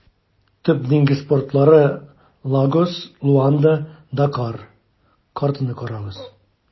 Төп диңгез портлары - Лагос, Луанда, Дакар (картаны карагыз).